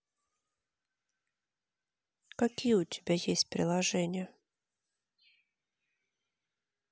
какие у тебя есть приложения